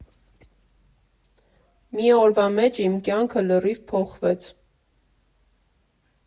Մի օրվա մեջ իմ կյանքը լրիվ փոխվեց։